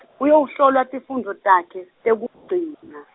Uyowuhlolwa tifundvo takhe, tekugcina.